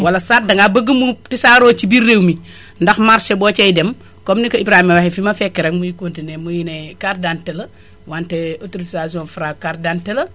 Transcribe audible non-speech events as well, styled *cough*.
wala sax dangaa bëgg mu tasaaroo ci biir réew mi *inhales* ndax marché boo cay dem coome ni ko Ibrahima waxee fi ma fekk rekk muy continué muy ne carte d' identité la wante autorisation Fra carte d' identité la